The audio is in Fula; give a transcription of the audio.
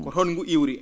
ko toon ngu iwri